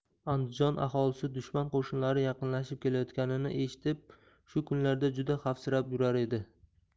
andijon aholisi dushman qo'shinlari yaqinlashib kelayotganini eshitib shu kunlarda juda xavfsirab yurar edi